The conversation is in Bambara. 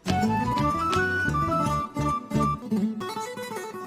San wa wargɛnin yo